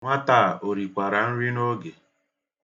Nwata a, o rikwara nri n'oge?